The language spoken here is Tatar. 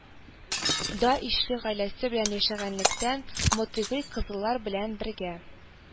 Да ишле гаиләсе белән яшәгәнлектән, мотыйгый кызыллар белән бергә